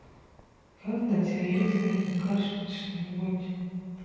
как на телевизоре закачать что нибудь